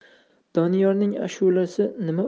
doniyorning ashulasi nima